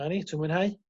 'na ni ti'n mwynhau?